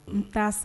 N t'a san